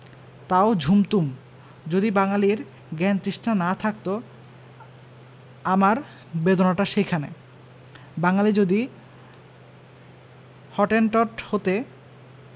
তাও ঝুমতুম যদি বাঙালীর জ্ঞানতৃষ্ণা না থাকত আমার বেদনাটা সেইখানে বাঙালী যদি হটেনটট হতে